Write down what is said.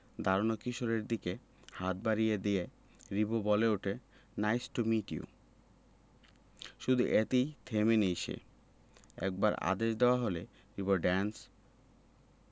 দাঁড়ানো কিশোরের দিকে হাত বাড়িয়ে দিয়ে রিবো বলে উঠে নাইস টু মিট ইউ শুধু এতেই থেমে নেই সে একবার আদেশ দেওয়া হলো রিবো ড্যান্স